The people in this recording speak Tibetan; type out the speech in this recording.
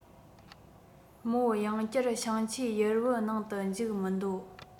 མོ ཡང བསྐྱར བཤངས ཆུའི ཡུར བུ ནང དུ འཇུག མི འདོད